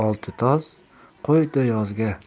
olti toz qo'ydi yozga